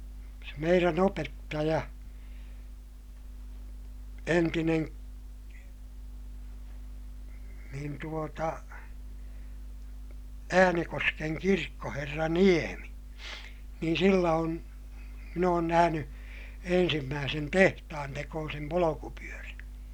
se meidän opettaja entinen niin tuota Äänekosken kirkkoherra Niemi niin sillä on minä olen nähnyt ensimmäisen tehtaantekoisen polkupyörän